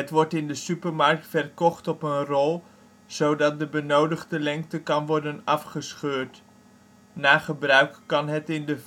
wordt in de supermarkt verkocht op een rol, zodat de benodigde lengte kan worden afgescheurd. Na gebruik kan het in de